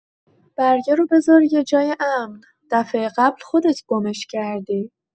برگه رو بذار یه جای امن، دفعه قبل خودت گمش کردی.